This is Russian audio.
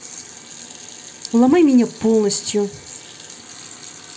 ломай меня полностью